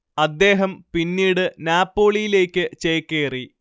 അദ്ദേഹം പിന്നീട് നാപ്പോളിയിലേക്ക് ചേക്കേറി